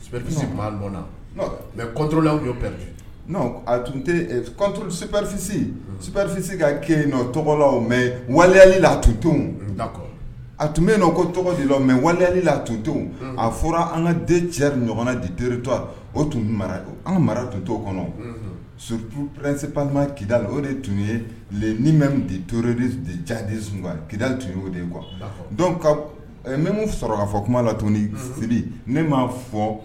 Psi kala mɛ waliyali la tut a tun bɛ yen nɔn ko tɔgɔ de la mɛ waliyali la toto a fɔra an ka den cɛ ɲɔgɔn na di totɔ o tun an mara tuto kɔnɔ su presepma kidali o de tun ye ni bɛ to ja kili tun o de kuwa don ka n sɔrɔ k kaa fɔ kuma la tun ni siri ne ma fɔ